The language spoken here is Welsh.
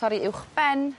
torri uwchben